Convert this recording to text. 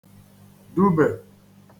dubè